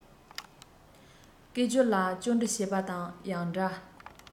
སྐད ཅོར ལ ཅོ འདྲི བྱེད པ དང ཡང འདྲ